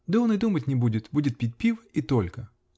Да он и думать не будет; будет пить пиво -- и только.